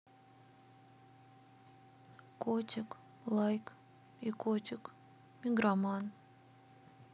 котик лайк и котик игроман